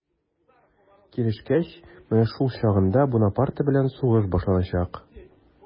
Килешкәч, менә шул чагында Бунапарте белән сугыш башланачак.